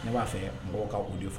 Ne b'a fɛ mɔgɔw ka u de fɔ